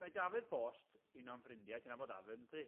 Mae Dafydd Post, un o'n ffrindiau, ti'n nabod Dafydd, yndwyt ti?